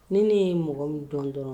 Ni ne ye mɔgɔ dɔn dɔrɔn